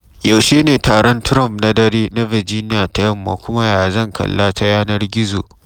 Yaushe ne taron Trump na dare na Virginia ta Yamma kuma yaya zan kalla ta yanar gizo?